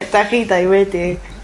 'Dach chi dau wedi.